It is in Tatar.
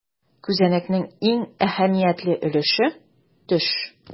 Күзәнәкнең иң әһәмиятле өлеше - төш.